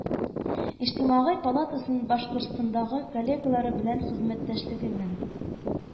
Иҗтимагый палатасының Башкортстандагы коллегалары белән хезмәттәшлегенең